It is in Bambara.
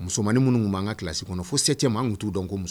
Musomanmaninin minnu b'an kilasi kɔnɔ fosɛcɛ' t'u dɔn ko